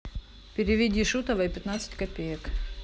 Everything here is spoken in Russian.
переведи шутовой пятнадцать копеек